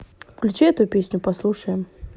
включи эту песню послушаем